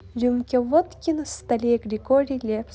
рюмка водки на столе григорий лепс